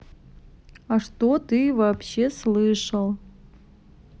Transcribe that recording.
а что ты вообще слышал